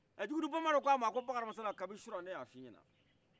ɛ jugudu banbadɔ k'ama ko bakari hama sala kabi surɔ ne y'a f'e ɲɛna